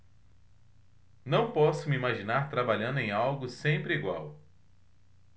não posso me imaginar trabalhando em algo sempre igual